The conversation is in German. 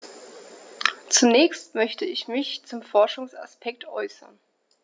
Zunächst möchte ich mich zum Forschungsaspekt äußern.